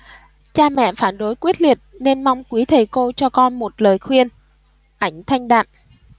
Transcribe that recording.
cha mẹ phản đối quyết liệt nên mong quý thầy cô cho con một lời khuyên ảnh thanh đạm